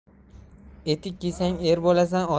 etik kiysang er bo'lasan